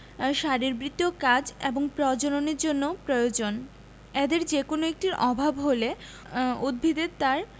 শারীরবৃত্তীয় কাজ এবং প্রজননের জন্য প্রয়োজন এদের যেকোনো একটির অভাব হলে উদ্ভিদে তার